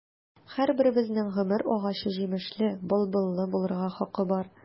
Һәрберебезнең гомер агачы җимешле, былбыллы булырга хакы бар.